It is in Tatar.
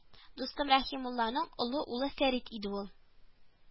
Дустым Рәхимулланың олы улы Фәрит иде ул